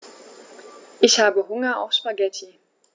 Ich habe Hunger auf Spaghetti.